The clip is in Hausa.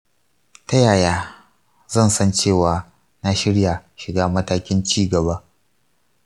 ta yaya zan san cewa na shirya shiga matakin ci gaba?